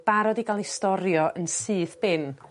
barod i ga'l 'u storio yn syth bin.